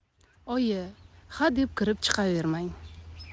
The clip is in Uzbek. oyi hadeb kirib chiqavermang